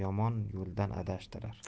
yomon yo'ldan adashtirar